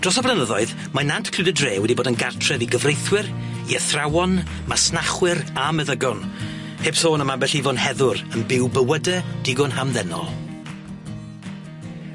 Dros y blynyddoedd, mae Nant Cryd y Dre wedi bod yn gartref i gyfreithwyr i athrawon, masnachwyr, a meddygon heb sôn am ambell i fonheddwr, yn byw bywyde digon hamddenol.